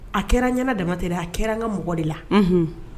A kɛra n ɲ damate a kɛra an ka mɔgɔ de la